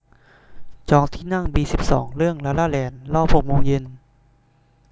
จองที่นั่งบีสิบสองเรื่องลาลาแลนด์รอบหกโมงเย็น